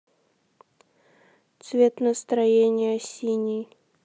цвет настроения синий